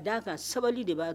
A'a ka sabali de b'a